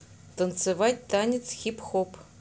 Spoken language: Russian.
танцевать танец хип хоп